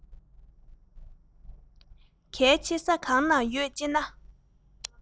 གལ ཆེ ས གང ན ཡོད ཅེ ན